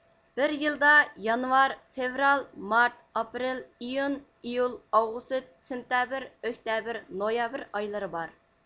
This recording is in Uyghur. بىر يىلدا يانۋار فېۋرال مارت ئاپرېل ئىيۇن ئىيۇل ئاۋغۇست سىنتەبېر ئۆكتەبىر نويابىر ئايلىرى بار